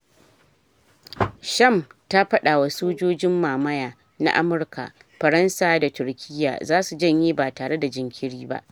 Sham ta fada wa ‘sojojin mamaya’ na Amurka, Faransa da Turkiya zasu janye ba tare da jinkiri ba